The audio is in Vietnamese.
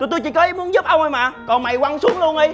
tụi tui chỉ có ý muốn giúp ông hôi mà còn mày quăng xuống luôn i